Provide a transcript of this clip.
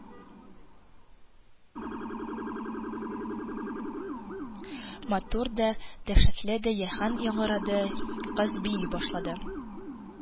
Матур да, дәһшәтле дә аһәң яңгырады, кыз бии башлады,